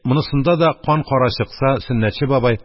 Монысында да кан кара чыкса, Сөннәтче бабай: